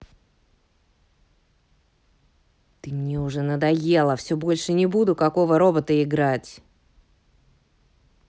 ты мне уже надоела все больше не буду какого робота играть